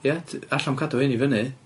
Ie, dy- alla'm cadw hyn i fyny.